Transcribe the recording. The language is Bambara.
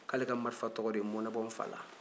ko ale ka marifa tɔgɔ de ye mɔnɛbɔ-n-fa-la